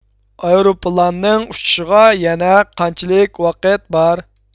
ئايروپىلاننىڭ ئۇچۇشىغا يەنە قانچىلىك ۋاقىت بار